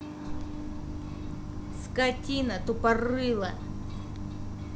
скотина тупорылая